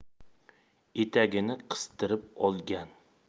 etagini qistirib olgan